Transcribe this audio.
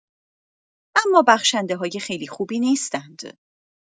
اما بخشنده‌های خیلی خوبی نیستند